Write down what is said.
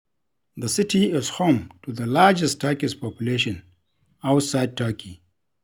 The city is home to the largest Turkish population outside Turkey.